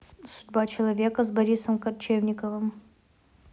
судьба человека с борисом корчевниковым